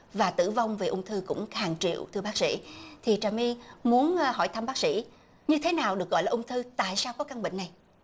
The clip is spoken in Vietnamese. và tử vong vì ung thư cũng hàng triệu thưa bác sĩ thì trà my muốn hỏi thăm bác sĩ như thế nào được gọi là ung thư tại sao có căn bệnh này